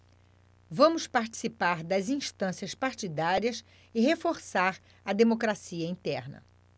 vamos participar das instâncias partidárias e reforçar a democracia interna